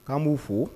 K'an b'u fo